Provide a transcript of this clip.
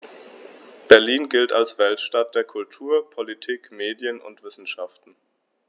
Berlin gilt als Weltstadt[9] der Kultur, Politik, Medien und Wissenschaften.